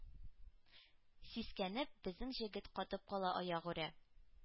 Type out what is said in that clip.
Сискәнеп, безнең Җегет катып кала аягүрә,